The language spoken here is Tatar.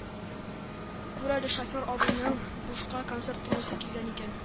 Күр әле, шофер абыйның бушка концерт тыңлыйсы килгән икән